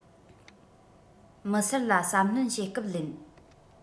མི སེར ལ གསབ སྣོན བྱེད སྐབས ལེན